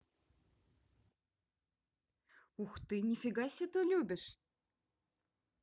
ух ты нифига се ты любишь